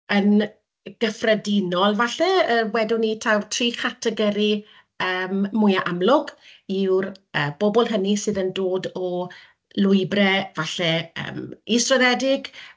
yn gyffredinol falle yy, wedwn ni taw tri chategori yym mwya amlwg yw'r yy bobl hynny sydd yn dod o lwybrau falle yym israddedig.